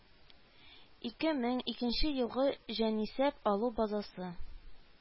Ике мең икенче елгы җанисәп алу базасы